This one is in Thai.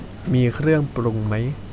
มีเครื่องปรุงไหม